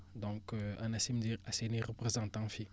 donc ANACIM nekk seen i représentant fii